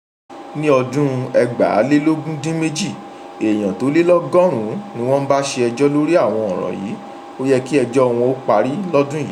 Ní 2018, èèyàn tó lé lọ́gọ́rùn-ún ni wọ́n bá ṣẹjọ́ lórí àwọn ọ̀ràn yìí. Ó yẹ kí ẹjọ́ọ wọn ó parí lọ́dún yìí.